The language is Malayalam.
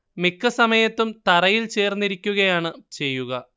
മിക്ക സമയത്തും തറയിൽ ചേർന്നിരിക്കുകയാണ് ചെയ്യുക